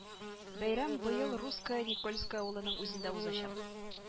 Бәйрәм быел русское никольское авылының үзендә узачак